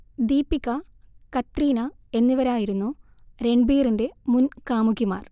ദീപിക, കത്രീന എന്നിവരായിരുന്നു രൺബീറിന്റെ മുൻ കാമുകിമാർ